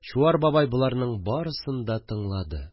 Чуар бабай боларның барысын да тыңлады